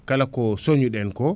kala ko sooñu ɗen ko